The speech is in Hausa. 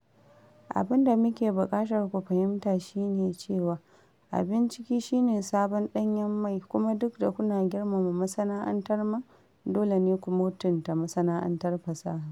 Abin da muke buƙatar ku fahimta shi ne cewa abun ciki shine sabon danyen mai kuma duk da kuna girmama masana'antar man dole ne ku mutunta masana'antar fasaha.